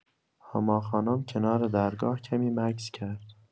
هما خانم کنار درگاه کمی مکث کرد.